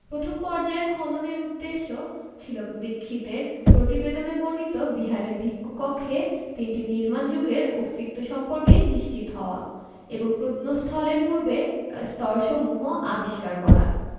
প্রথম পর্যায়ের খননের উদ্দেশ্য ছিল দীক্ষিতের প্রতিবেদনে বর্ণিত বিহারের ভিক্ষু কক্ষে তিনটি নির্মাণ যুগের অস্তিত্ব সম্পর্কে নিশ্চিত হওয়া এবং প্রত্নস্থলের পূর্বের স্তরসমূহ আবিষ্কার করা